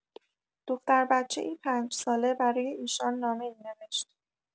دختربچه‌ای ۵ ساله برای ایشان نامه‌ای نوشت.